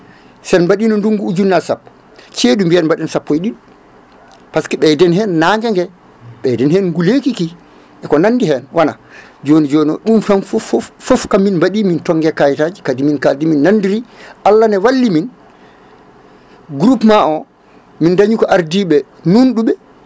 sen mbadino ndungu ujunnaje sappo ceeɗu mbiyen mbaɗen sappo e ɗiɗi par ce que ɓeyden hen nangue gue ɓeyden hen nguleykikieko nandi hen wona joni joni ɗum tan foof foof foof kam min maɗi min tonggue kayitaji kadi min kaldi min nandiri Allah ne walli min groupement o min dañi ko ardiɓe nunɗuɓe